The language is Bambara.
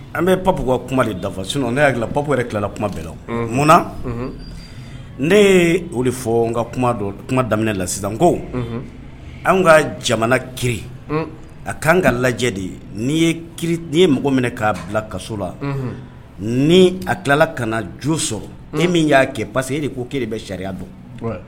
An bɛ pap ka kuma de dafa sun nela pap tilala kuma bɛɛ munna ne ye o de fɔ n ka kuma dɔ kuma daminɛ la sisan ko an ka jamana ki a k'an ka lajɛ de ye ni ye mɔgɔ minɛ k'a bila kaso la ni a tilala ka na jo sɔrɔ e min y'a kɛ pa que e de ko ki bɛ sariya bɔ